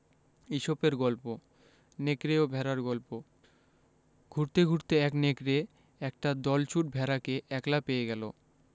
ইসপের গল্প নেকড়ে ও ভেড়ার গল্প ঘুরতে ঘুরতে এক নেকড়ে একটা দলছুট ভেড়াকে একলা পেয়ে গেল